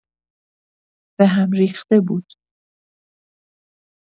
بهم ریخته بود.